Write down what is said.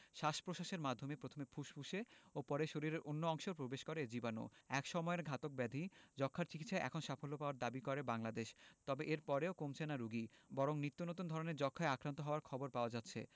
শ্বাস প্রশ্বাসের মাধ্যমে প্রথমে ফুসফুসে ও পরে শরীরের অন্য অংশেও প্রবেশ করে এ জীবাণু একসময়ের ঘাতক ব্যাধি যক্ষ্মার চিকিৎসায় এখন সাফল্য পাওয়ার দাবি করে বাংলাদেশ তবে এরপরও কমছে না রোগী বরং নিত্যনতুন ধরনের যক্ষ্মায় আক্রান্ত হওয়ার খবর পাওয়া যাচ্ছে